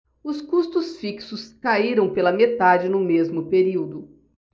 os custos fixos caíram pela metade no mesmo período